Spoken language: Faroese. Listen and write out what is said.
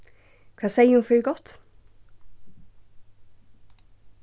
hvat segði hon fyri gott